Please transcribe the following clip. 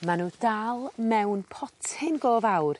Ma' n'w dal mewn potyn go fawr